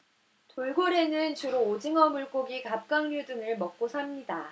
돌고래는 주로 오징어 물고기 갑각류 등을 먹고 삽니다